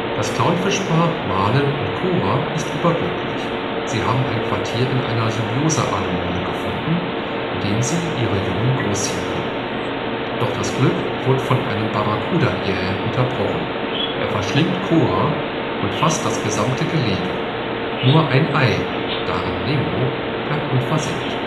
Das Clownfischpaar Marlin und Cora ist überglücklich. Sie haben ein Quartier in einer Symbioseanemone gefunden, in dem sie ihre Jungen großziehen können. Doch das Glück wird von einem Barracuda jäh unterbrochen. Er verschlingt Cora und fast das gesamte Gelege. Nur ein Ei, darin Nemo, bleibt unversehrt